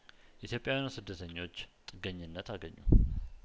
ኢትዮጵያዊያኑ ስደተኞች ጥገኝነት አገኙ